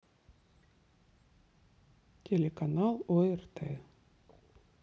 телеканал орт